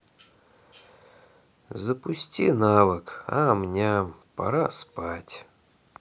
запусти навык ам ням пора спать